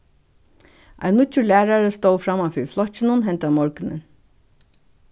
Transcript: ein nýggjur lærari stóð framman fyri flokkinum hendan morgunin